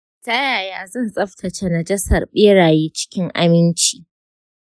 ta yaya zan tsaftace najasar beraye cikin aminci?